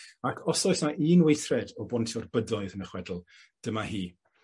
Ac os oes 'na un weithred o bontio'r bydoedd yn y chwedl, dyma hi.